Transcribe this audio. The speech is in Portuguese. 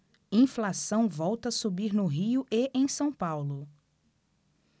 inflação volta a subir no rio e em são paulo